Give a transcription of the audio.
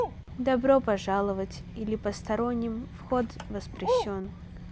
добро пожаловать или посторонним вход воспрещен